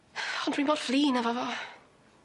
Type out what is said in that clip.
Ond dwi mor flin efo fo.